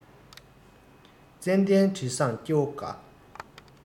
ཙན དན དྲི བཟང སྐྱེ བོ དགའ